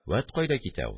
Вәт кайда китә ул